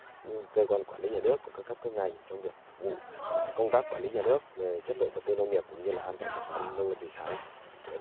cơ quan quản lý nhà nước của các cấp các ngành trong việc vụ công tác quản lý nhà nước về chất lượng vật tư nông nghiệp cũng như là an toàn thực phẩm nuôi thủy sản